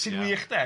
sy'n wych de,